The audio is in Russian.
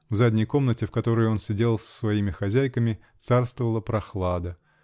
В задней комнате, в которой он сидел с своими хозяйками, царствовала прохлада